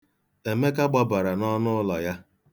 Emeka gbabara n'ọnụụlọ ya.